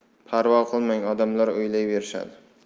parvo qilmang odamlar o'ylayverishadi